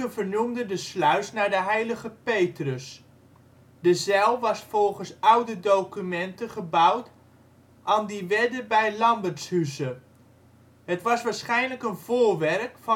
vernoemden de sluis naar de heilige Petrus. De zijl was volgens oude documenten gebouwd " an die wedde by Lambertshuse ". Het was waarschijnlijk een voorwerk (kloosterboerderij